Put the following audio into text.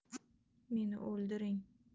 meni o'ldiring